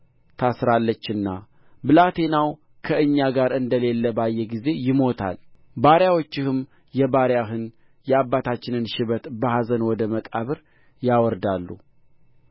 ታስራለችና ብላቴናው ከእኛ ጋር እንደሌለ ባየ ጊዜ ይሞታል ባሪያዎችህም የባሪያህን የአባታችንን ሽበት በኅዘን ወደ መቃብር ያወርዳሉ